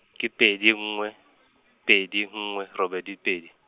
ke pedi nngwe , pedi nngwe, robedi pedi.